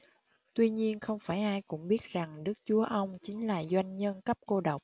tuy nhiên không phải ai cũng biết rằng đức chúa ông chính là doanh nhân cấp cô độc